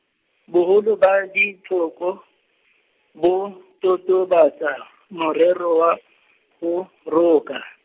boholo ba dithoko, bo totobatsa morero wa, ho, roka.